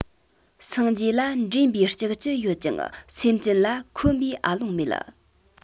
སངས རྒྱས ལ འདྲེན པའི ལྕགས ཀྱུ ཡོད ཀྱང སེམས ཅན ལ འཁོན པའི ཨ ལོང མེད